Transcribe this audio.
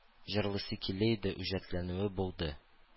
Җырлыйсы килә иде, үҗәтләнүе булды